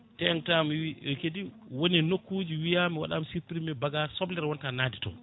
tengtama wi kadi wone nokkuji wiyama waɗama supprimé bagages soblere wonta nadde toon